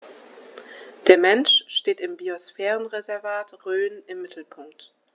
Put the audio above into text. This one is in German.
Der Mensch steht im Biosphärenreservat Rhön im Mittelpunkt.